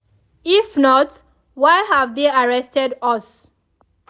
If not, why have they arrested us?